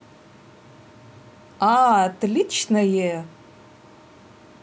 отличное